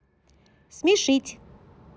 смешить